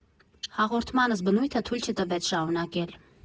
Հաղորդմանս բնույթը թույլ չտվեց շարունակել։